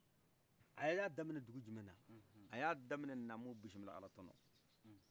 a ya daminɛ dugu jumɛnna aya daminɛ namu bisimla alatɔnɔ